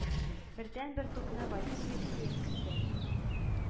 Бердәнбер тупны Вадим Евсеев кертә,